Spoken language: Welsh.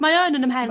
Mae o yn 'ym mhen...